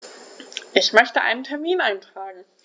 Ich möchte einen Termin eintragen.